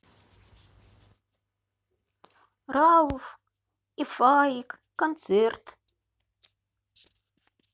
рауф и фаик концерт